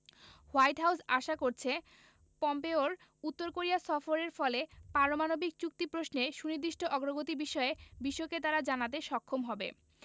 white House আশা করছে পম্পেওর উত্তর কোরিয়া সফরের ফলে পারমাণবিক চুক্তি প্রশ্নে সুনির্দিষ্ট অগ্রগতি বিষয়ে বিশ্বকে তারা জানাতে সক্ষম হবে